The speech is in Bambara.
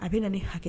A bɛ na hakɛ